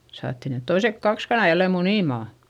saatiin ne toiset kaksi kanaa jälleen munimaan